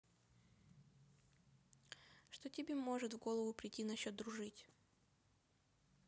что тебе может в голову прийти насчет дружить